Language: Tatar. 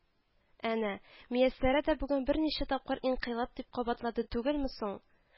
Әнә, Мияссәрә дә бүген берничә тапкыр “инкыйлаб” дип кабатлады түгелме соң